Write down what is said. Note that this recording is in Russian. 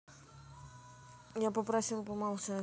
я попросила помолчать